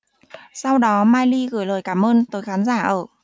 sau đó miley gửi lời cảm ơn tới khán giả ở